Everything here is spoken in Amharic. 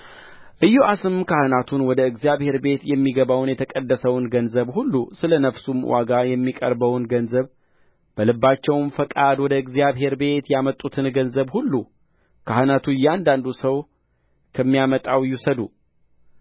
ኢዮአስም ካህናቱን ወደ እግዚአብሔር ቤት የሚገባውን የተቀደሰውን ገንዘብ ሁሉ ስለ ነፍሱም ዋጋ የሚቀርበውን ገንዘብ በልባቸውም ፈቃድ ወደ እግዚአብሔር ቤት የሚያመጡትን ገንዘብ ሁሉ ካህናቱ እያንዳንዱ ሰው ከሚያመጣው ይውሰዱ